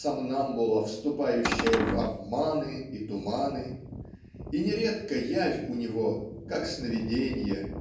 сомнамбула, вступающая в "обманы и туманы", и нередко явь у него как сновиденье